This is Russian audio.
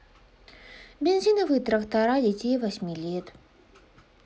бензиновые трактора детей восьми лет